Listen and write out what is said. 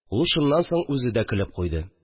Ул шуннан соң үзе дә көлеп куйды